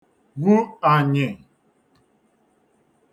gwu ànyị̀